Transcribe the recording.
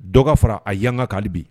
Dɔ ka fara a yanka hali bi